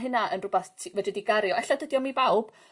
hynna yn rwbath ti fedri di gario, ella dydi o'm i bawb